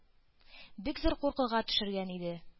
Бик зур куркуга төшергән иде.